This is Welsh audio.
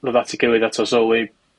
ddod at 'i gilydd a t'o' sylwi